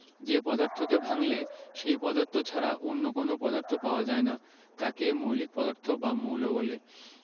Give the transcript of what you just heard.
যে পদার্থকে ভাঙলে সেই পদার্থ ছাড়া অন্য কোনো পদার্থ পাওয়া যায় না তাকে মৌলিক পদার্থ বা মৌল বলে